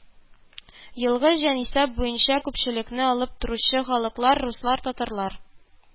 Елгы җанисәп буенча күпчелекне алып торучы халыклар: руслар , татарлар